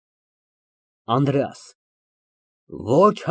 ԲԱԳՐԱՏ ֊ Չսիրեցի սկզբից ևեթ այդ խոսքը ֊ տրամադրություն։